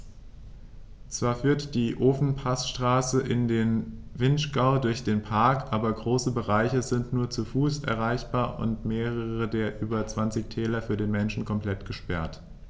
Zwar führt die Ofenpassstraße in den Vinschgau durch den Park, aber große Bereiche sind nur zu Fuß erreichbar und mehrere der über 20 Täler für den Menschen komplett gesperrt.